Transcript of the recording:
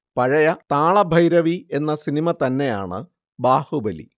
പഴയ താളഭൈരവി എന്ന സിനിമ തന്നെയാണു ബാഹുബലി